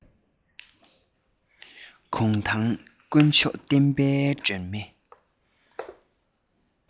གུང ཐང དཀོན མཆོག བསྟན པའི སྒྲོན མེ